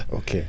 ok